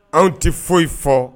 Anw tɛ foyi fɔ